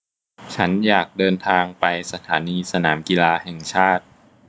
ฉันอยากเดินทางไปสถานีสนามกีฬาแห่งชาติ